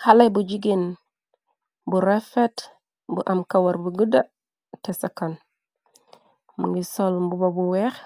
Xale bu jigéen bu refet bu am kawar bu gudda te sakan mu ngi sol mbuba bu weex